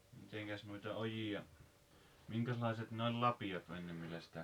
mitenkäs noita ojia minkäslaiset ne oli lapiot ennen millä sitä